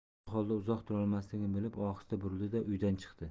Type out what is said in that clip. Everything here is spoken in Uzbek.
bu holda uzoq turolmasligini bilib ohista burildi da uydan chiqdi